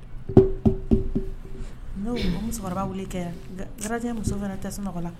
No Musokɔrɔba wele kɛ a ga -- gardien muso fana tɛ sunɔɔ la